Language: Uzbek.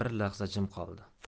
bir lahza jim qoldi